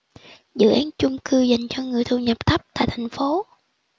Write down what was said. dự án chung cư dành cho người thu nhập thấp tại thành phố